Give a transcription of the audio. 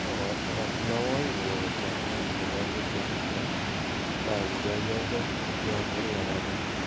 buxoro va navoiy viloyatlarida havo o'zgarib turadi ba'zi joylarda yomg'ir yog'adi